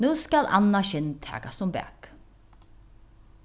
nú skal annað skinn takast um bak